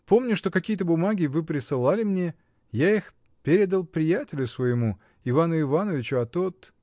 Помню, что какие-то бумаги вы присылали мне, я их передал приятелю своему, Ивану Ивановичу, а тот.